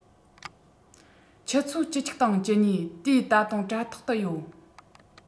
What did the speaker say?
ཆུ ཚོད བཅུ གཅིག དང བཅུ གཉིས དུས ད དུང དྲ ཐོག ཏུ ཡོད